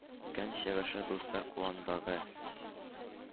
Көн чыгышы дуслар кулындагы